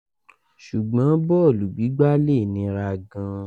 Ṣùgbọ́n bọ́ọ̀lù gbígbá lè nira gan.